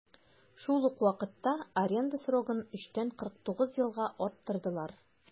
Шул ук вакытта аренда срогын 3 тән 49 елга арттырдылар.